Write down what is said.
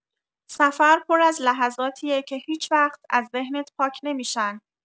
سفر پر از لحظاتیه که هیچ‌وقت از ذهنت پاک نمی‌شن.